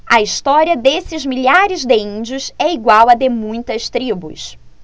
a história desses milhares de índios é igual à de muitas tribos